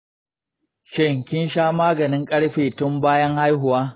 shin kin sha maganin ƙarfe tun bayan haihuwa?